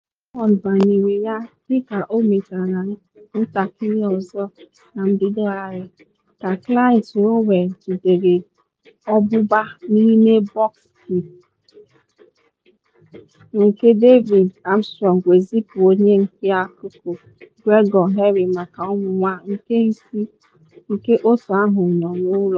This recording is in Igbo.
Climo gbanyere ya, dị ka ọ mechara ntakịrị ọzọ na mbidogharị, ka Kyle Rowe jidere ọgbụgba n’ime bọksị nke David Armstrong wee zipu onye nke akụkụ Gregor Henry maka ọnwụnwa nke ise nke otu ahụ nọ n’ụlọ.